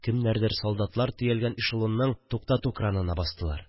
Кемнәрдер солдатлар төялгән эшелонның туктату кранына бастылар